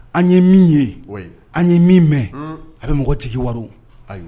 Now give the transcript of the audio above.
An ye min ye, wayi, an ye min mɛn, unhun,a bɛ mɔgɔ jigii wari